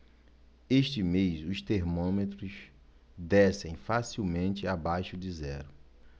este mês os termômetros descem facilmente abaixo de zero